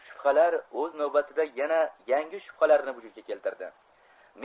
u shubhalar o'z navbatida yana yangi shubhalarni vujudga keltirdi